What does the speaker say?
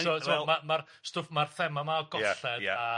So ti'bod ma' ma'r stwff ma'r thema 'ma o golled... Ia ia.